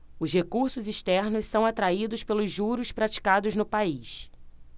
os recursos externos são atraídos pelos juros praticados no país